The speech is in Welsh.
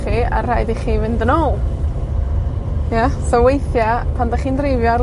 chi a rhaid i chi fynd yn ôl . Ia? So weithia, pan 'dach chi'n dreifio ar